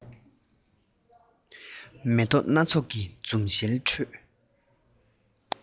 མེ ཏོག སྣ ཚོགས ཀྱི འཛུམ ཞལ ཁྲོད